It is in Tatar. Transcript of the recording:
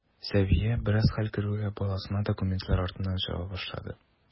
Сәвия, бераз хәл керүгә, баласына документлар артыннан чаба башлады.